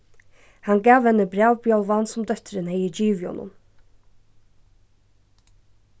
hann gav henni brævbjálvan sum dóttirin hevði givið honum